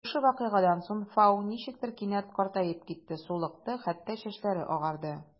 Шушы вакыйгадан соң Фау ничектер кинәт картаеп китте: сулыкты, хәтта чәчләре агарды.